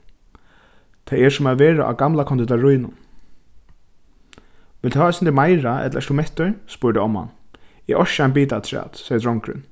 tað er sum at vera á gamla kondittarínum vilt tú hava eitt sindur meira ella ert tú mettur spurdi omman eg orki ikki ein bita afturat segði drongurin